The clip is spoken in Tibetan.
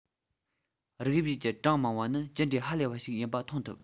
རིགས དབྱིབས ཀྱི གྲངས མང བ ནི ཇི འདྲའི ཧ ལས པ ཞིག ཡིན པ མཐོང ཐུབ